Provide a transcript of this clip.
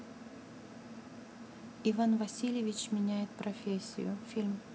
иван васильевич меняет профессию фильм